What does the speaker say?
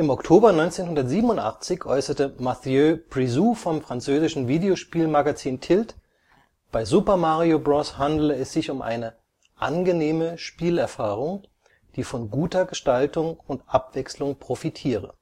Oktober 1987 äußerte Mathieu Brisou vom französische Videospielmagazin Tilt, bei Super Mario Bros. handele sich um eine „ angenehme Spielerfahrung “(„ plaisir de jouer “), die von guter Gestaltung und Abwechslung profitiere